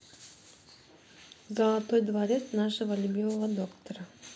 золотой дворец нашего любимого доктора